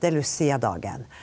det er Luciadagen.